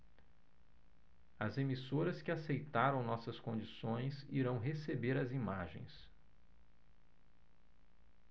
as emissoras que aceitaram nossas condições irão receber as imagens